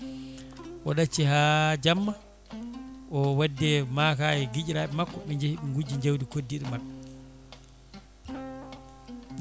o ɗacci ha jamma o wadde maaka e guiƴiraɓe makko ɓe jeeyi ɓe gujji jawdi koddiɗo mabɓe